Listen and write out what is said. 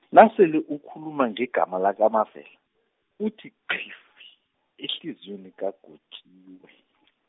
nasele bakhuluma ngegama lakaMavela, kuthi qhifi ehliziyweni kaGotjiwe .